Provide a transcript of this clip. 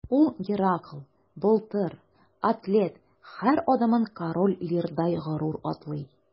Ул – Геракл, Былтыр, атлет – һәр адымын Король Лирдай горур атлый.